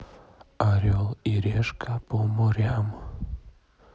орел и решка по морям